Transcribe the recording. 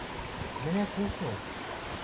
Менә шул-шул!